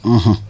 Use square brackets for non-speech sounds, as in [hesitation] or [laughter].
[hesitation] [hesitation]